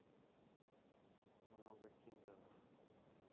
много киндеров